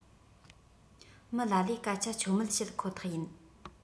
མི ལ ལས སྐད ཆ ཆོ མེད བཤད ཁོ ཐག ཡིན